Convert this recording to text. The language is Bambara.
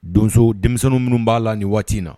Donso denmisɛnnin minnu b'a la nin waati in na